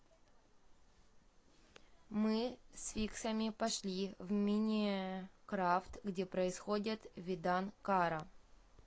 мы с фиксами пошли в minecraft где происходят видан кара